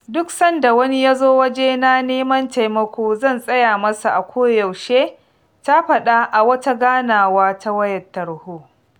Duk sanda wani yazo wajena neman taimako zan tsaya masa a koyaushe, ta faɗa a wata ganawa ta wayar tarho.